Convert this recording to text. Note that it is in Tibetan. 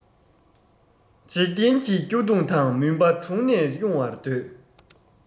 འཇིག རྟེན གྱི སྐྱོ གདུང དང མུན པ དྲུངས ནས དབྱུང བར འདོད